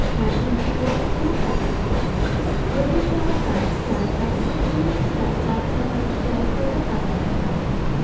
তার সিমটি ফোরজি কিনা তা জানতে পারবেন রবির গ্রাহকরা *১২৩*৪৪# ডায়াল করে তা জানতে পারবেন